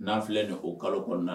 N'an filɛ ni ye o kalo kɔɔna